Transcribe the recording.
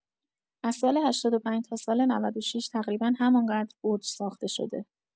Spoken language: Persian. از سال ۸۵ تا سال ۹۶ تقریبا همان‌قدر برج ساخته شده.